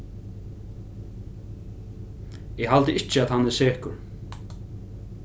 eg haldi ikki at hann er sekur